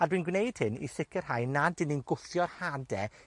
A dwi'n gwneud hyn i sicirhau nad 'yn ni'n gwthio hade